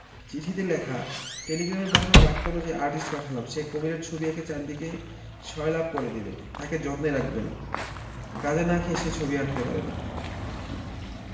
চিঠিতে লেখা টেলিগ্রামে পাঠানো বার্তা অনুযায়ী আর্টিস্ট পাঠালাম সে কুমীরের ছবি একে চারদিকে ছয়লাপ করে দেবে তাকে যত্নে রাখবেন গাজা না খেয়ে সে ছবি আঁকতে পারে না